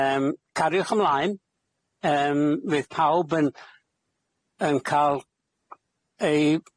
Yym, cariwch ymlaen. Yym, fydd pawb yn yn ca'l ei